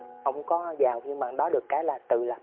không có giàu nhưng mà nó được cái là tự lập